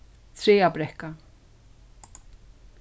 traðabrekka